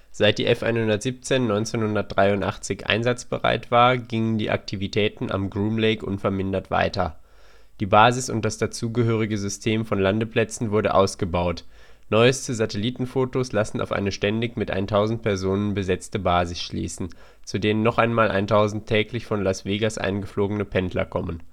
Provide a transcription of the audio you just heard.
Seit die F-117 1983 einsatzbereit war, gingen die Aktivitäten am Groom Lake unvermindert weiter. Die Basis und das dazugehörige System von Landeplätzen wurden ausgebaut. Neueste Satelliten-Photos lassen auf eine ständig mit 1.000 Personen besetzte Basis schließen, zu denen noch einmal 1.000 täglich von Las Vegas eingeflogene „ Pendler “kommen